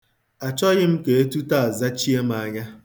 Achọghị m ka etuto a zachie m anya.